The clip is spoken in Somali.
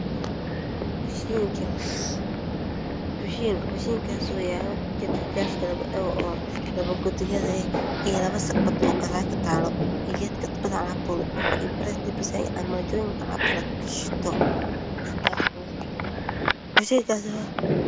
Kushiinka oo yaala godka oo labo godyo eh iyo labo sakxad oo kadaal ka taalo iyo geedka tuubada alaabta lagu dhaqo iyo armooyin alaabta la gashto